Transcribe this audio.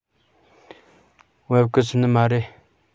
བབ གི སུན ནི མ རེད